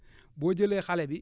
boo jëlee xale bi